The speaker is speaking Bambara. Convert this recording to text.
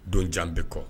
Don jan bɛ kɔ.